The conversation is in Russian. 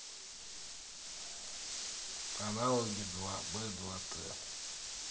аналоги два б два т